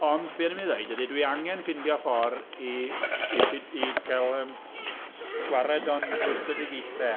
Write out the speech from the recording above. Ond be o'n i'n mynd i ddweud ydy dwi angen ffeindio ffordd i... i ffid- i gael yym... gael gwared o'n rhwystredigaethau.